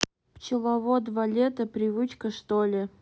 пчеловод валета привычка штоле